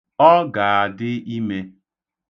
Ọ ga-adị ime.